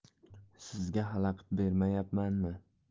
sizga xalaqit bermayapmanmi